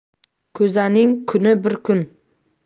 ko'zaning kuni bir kun